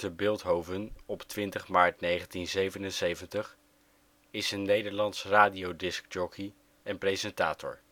Bilthoven, 20 maart 1977) is een Nederlandse radiodiskjockey en - presentator